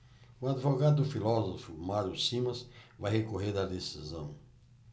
o advogado do filósofo mário simas vai recorrer da decisão